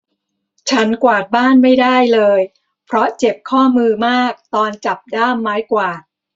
ฉันกวาดบ้านไม่ได้เลยเพราะเจ็บข้อมือมากตอนจับด้ามไม้กวาด